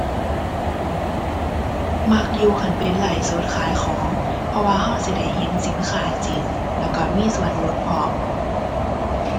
มักอยู่คันเป็นไลฟ์สดขายของ เพราะว่าเราสิได้เห็นสินค้าจริง แล้วเรามีส่วนลดพร้อม